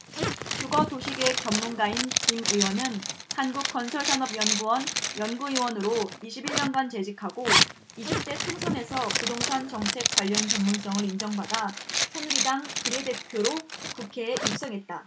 주거 도시계획 전문가인 김 의원은 한국건설산업연구원 연구위원으로 이십 일 년간 재직하고 이십 대 총선에서 부동산 정책 관련 전문성을 인정받아 새누리당 비례대표로 국회에 입성했다